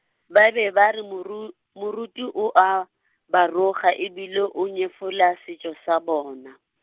ba be ba re moru- moruti o a, ba roga e bile o nyefola setšo sa bona.